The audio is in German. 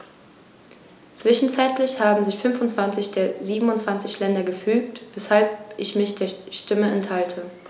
Zwischenzeitlich haben sich 25 der 27 Länder gefügt, weshalb ich mich der Stimme enthalte.